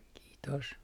kiitos